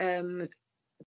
yym